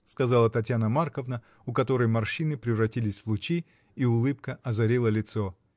— сказала Татьяна Марковна, у которой морщины превратились в лучи и улыбка озарила лицо.